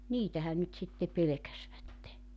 niitähän nyt sitten pelkäsivät